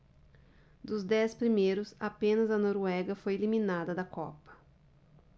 dos dez primeiros apenas a noruega foi eliminada da copa